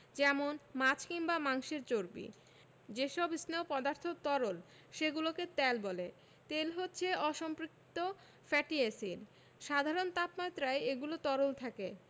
যেমন মাছ কিংবা মাংসের চর্বি যেসব স্নেহ পদার্থ তরল সেগুলোকে তেল বলে তেল হচ্ছে অসম্পৃক্ত ফ্যাটি এসিড সাধারণ তাপমাত্রায় এগুলো তরল থাকে